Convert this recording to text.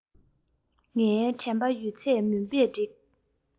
ངའི དྲན པ ཡོད ཚད མུན པས བསྒྲིབས